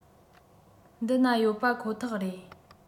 འདི ན ཡོད པ ཁོ ཐག རེད